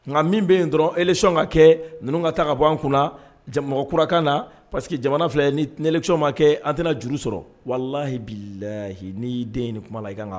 Nka min bɛ dɔrɔn esɔn ka kɛ ninnu ka taa ka bɔ an kunna mɔgɔkurakan na pa parce que jamana fila ni tilisɔn ma kɛ an tɛna juru sɔrɔ walahi lahi' y'i den kuma i kan